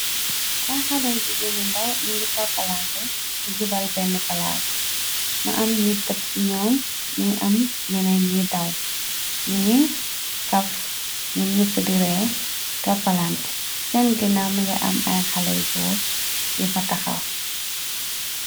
Ay xaley jigeeni ndaw ñi ngi troppalant di jubal benn falaag mu am ñiy tëpp ci ñoom niy am ñene ñiy daw ñi ngi kaf ñim ñupp diree troppalante seen gina mingi am ay xaley góor yu fa taxaw.